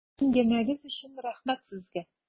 Әңгәмәгез өчен рәхмәт сезгә!